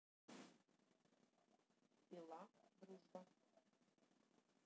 пила дружба